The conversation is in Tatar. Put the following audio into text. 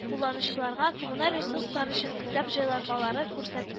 Кулланучыларга коммуналь ресурслар өчен хисап җайланмалары күрсәт